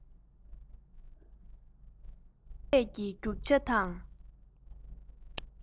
ཁ ཟས ཀྱི རྒྱུ ཆ དང